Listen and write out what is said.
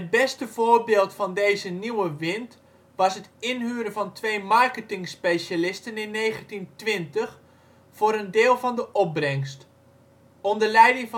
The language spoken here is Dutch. beste voorbeeld van deze nieuwe wind was het inhuren van twee marketingspecialisten in 1920 voor een deel van de opbrengst. Onder leiding